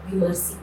I' sigi